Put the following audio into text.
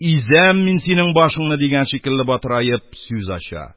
«изәм мин синең башыңны!» — дигән шикелле, батыраеп сүз ача.